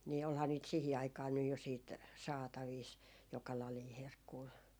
niin olihan niitä siihen aikaan nyt jo sitten saatavissa joka lajia herkkua